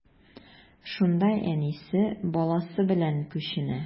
Шунда әнисе, баласы белән күченә.